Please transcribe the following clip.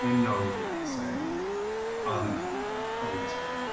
I know bless him. Oedd e'n ffyni ddo. Oh he is funny.